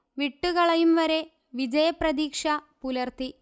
വിട്ടുകളയും വരെ വിജയപ്രതീക്ഷ പുലർത്തി